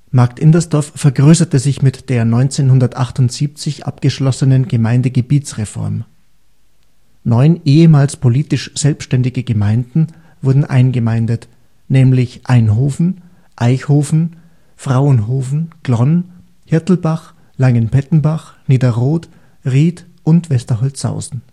Markt Indersdorf vergrößerte sich mit der 1978 abgeschlossenen Gemeindegebietsreform. Neun ehemals politisch selbstständige Gemeinden wurden eingemeindet, nämlich Ainhofen, Eichhofen, Frauenhofen, Glonn, Hirtlbach, Langenpettenbach, Niederroth, Ried und Westerholzhausen